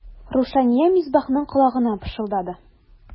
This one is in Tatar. Рушания Мисбахның колагына пышылдады.